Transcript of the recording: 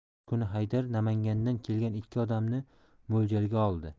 bir kuni haydar namangandan kelgan ikki odamni mo'ljalga oldi